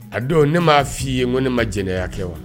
A don ne m'a f fɔ'i ye ko ne ma jɛnɛya kɛ wa